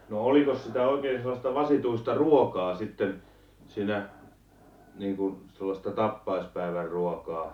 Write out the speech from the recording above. no olikos sitä oikein sellaista vasituista ruokaa sitten siinä niin kuin sellaista tappajaispäivän ruokaa